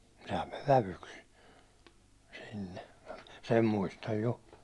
sehän meni vävyksi sinne sen muistan jo